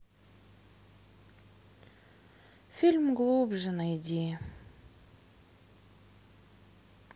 фильм глубже найди